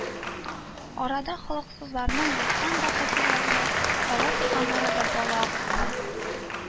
Арада холыксызраклары, юктан да хәтерләре кала торганнары да, бала акылы